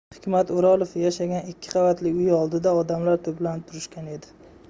hikmat o'rolov yashagan ikki qavatli uy oldida odamlar to'planib turishgan edi